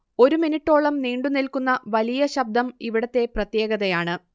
ഒരു മിനുട്ടോളം നീണ്ടുനിൽക്കുന്ന വലിയ ശബ്ദം ഇവിടത്തെ പ്രത്യേകതയാണ്